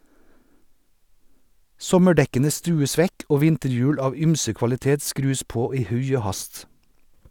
Sommerdekkene stues vekk og vinterhjul av ymse kvalitet skrus på i hui og hast.